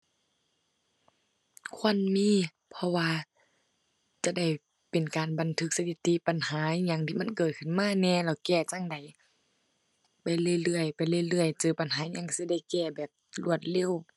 ควรมี เพราะว่าจะได้เป็นการบันทึกสถิติ ปัญหาอิหยังที่มันเกิดขึ้นมาแหน่แล้วแก้จั่งใด ไปเรื่อยเรื่อย ไปเรื่อยเรื่อย เจอปัญหาอิหยังสิได้แก้แบบรวดเร็ว